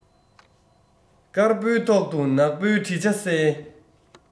དཀར པོའི ཐོག ཏུ ནག པོའི བྲིས ཆ གསལ